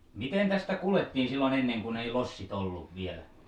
miten tästä kuljettiin silloin ennen kun ei lossit ollut vielä